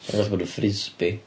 Wrach bo' nhw'n frisbee.